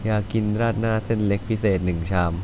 อยากกินราดหน้าเส้นเล็กพิเศษหนึ่งชาม